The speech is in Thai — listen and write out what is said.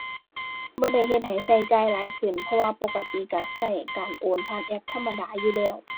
บ่ได้เฮ็ดให้ใช้จ่ายหลายขึ้น เพราะว่าปกติใช้ใช้การโอนผ่านแอปธรรมดาอยู่แล้ว